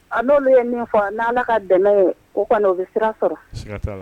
A n' ye min fɔ n' ala ka dɛmɛ ye o kɔnɔ u bɛ sira sɔrɔ